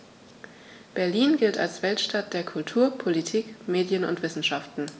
Berlin gilt als Weltstadt der Kultur, Politik, Medien und Wissenschaften.